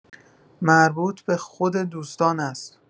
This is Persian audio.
مربوط به خود دوستان است.